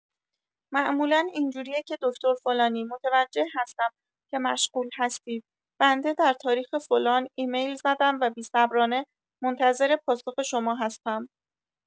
معمولا اینجوریه که دکتر فلانی متوجه هستم که مشغول هستید، بنده در تاریخ فلان ایمل زدم و بیصبرانه منتظر پاسخ شما هستم.